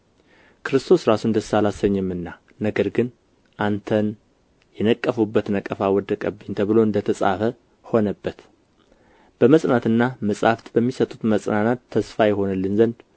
ክርስቶስ ራሱን ደስ አላሰኘምና ነገር ግን አንተን የነቀፉበት ነቀፋ ወደቀብኝ ተብሎ እንደ ተጻፈ ሆነበት በመጽናትና መጻሕፍት በሚሰጡት መጽናናት ተስፋ ይሆንልን ዘንድ